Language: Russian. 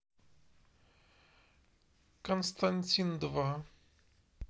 константин два